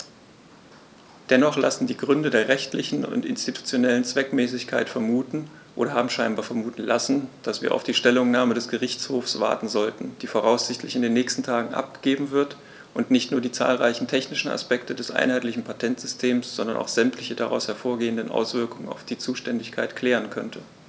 Dennoch lassen die Gründe der rechtlichen und institutionellen Zweckmäßigkeit vermuten, oder haben scheinbar vermuten lassen, dass wir auf die Stellungnahme des Gerichtshofs warten sollten, die voraussichtlich in den nächsten Tagen abgegeben wird und nicht nur die zahlreichen technischen Aspekte des einheitlichen Patentsystems, sondern auch sämtliche daraus hervorgehenden Auswirkungen auf die Zuständigkeit klären könnte.